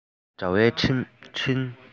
མི དམངས དྲ བའི འཕྲིན